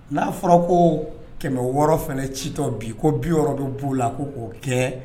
N'a fɔra ko 3000 fana citɔ bi ko 300 bɛ b'u la ko k'o kɛ